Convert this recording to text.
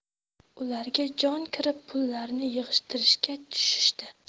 ularga jon kirib pullarni yig'ishtirishga tushishdi